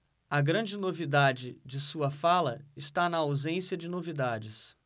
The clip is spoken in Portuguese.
a grande novidade de sua fala está na ausência de novidades